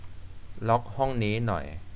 ล็อคห้องนี้หน่อย